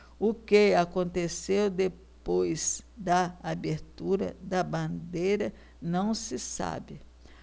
o que aconteceu depois da abertura da bandeira não se sabe